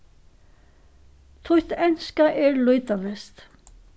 títt enska er lýtaleyst